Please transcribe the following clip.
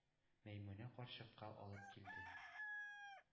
Мәймүнә карчыкка алып килде.